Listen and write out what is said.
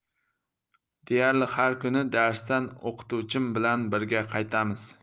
deyarli har kuni darsdan o'qituvchim bilan birga qaytamiz